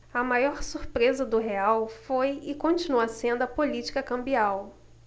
a maior surpresa do real foi e continua sendo a política cambial